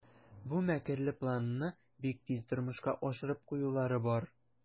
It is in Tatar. Бу мәкерле планны бик тиз тормышка ашырып куюлары бар.